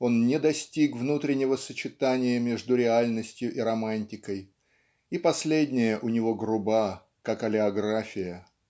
Он не достиг внутреннего сочетания между реальностью и романтикой и последняя у него груба как олеография.